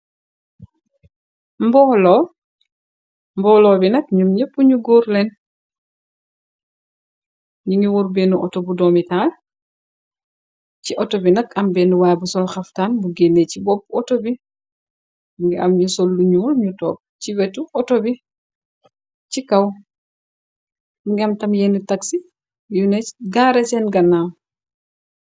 Mbooloo bi nak ñum ñepp ñu góor leen yi ngi woor bennu auto bu domitaal. Ci auto bi nak am bénn waa bi sol xaftaan bu génne. Ci bopp auto bi ngi am ni sol lu ñuul ñu topp ci wetu auto bi. Ci kaw ngam tam yennu taxi yu nee gaare seen gannaam.